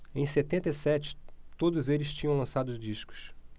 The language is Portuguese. em setenta e sete todos eles tinham lançado discos